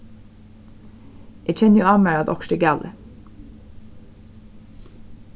eg kenni á mær at okkurt er galið